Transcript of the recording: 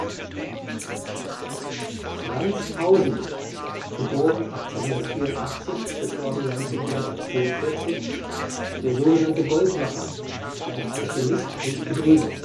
Franz Tausend (1884 – 1942), der „ Goldmacher “, ein Alchemist und Betrüger